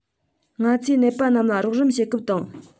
ང ཚོས ནད པ རྣམས ལ རོགས རམ བྱེད སྐབས དང